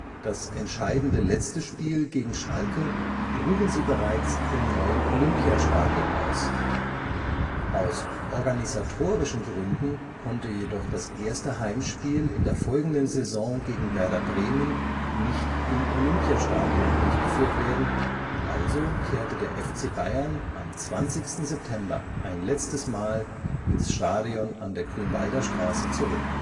Das entscheidende letzte Spiel gegen Schalke trugen sie bereits im neuen Olympiastadion aus. Aus organisatorischen Gründen konnte jedoch das erste Heimspiel in der folgenden Saison gegen Werder Bremen nicht im Olympiastadion durchgeführt werden, also kehrte der FC Bayern am 20. September ein letztes Mal ins Stadion an der Grünwalder Straße zurück